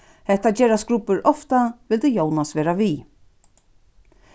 hetta gera skrubbur ofta vildi jónas vera við